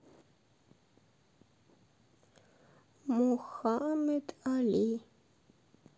мухаммед али